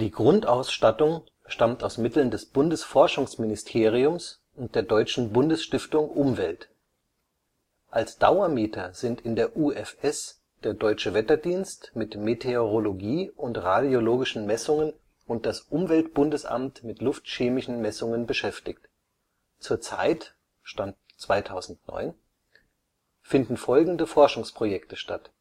Grundausstattung stammt aus Mitteln des Bundesforschungsministeriums und der Deutschen Bundesstiftung Umwelt. Als Dauermieter sind in der UFS der Deutsche Wetterdienst mit Meteorologie und radiologischen Messungen und das Umweltbundesamt mit luftchemischen Messungen beschäftigt. Zur Zeit (Stand: 2009) finden folgende Forschungsprojekte statt